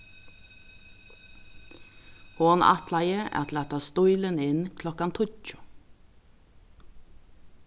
hon ætlaði at lata stílin inn klokkan tíggju